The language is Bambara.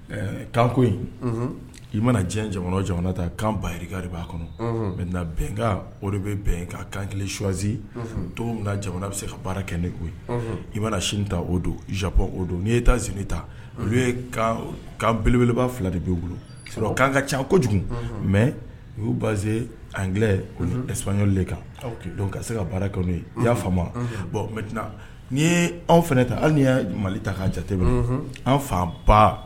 Kanko in i mana diɲɛ jamana jamana ta kan baka' kɔnɔ mɛ bɛnka bɛ bɛn ka kan kelen swaanz to min jamana bɛ se ka baara kɛ ne ko i mana sin ta o don zpɔn o don n'i ye taa zi ta u' beleba fila de b' bolo k' ka ca kojugu mɛ u y'u base anp le kan ka se ka baara kɛ' ye i y'a fa bɔn n'i ye anw fana ta hali ye mali ta'a jate an fan ba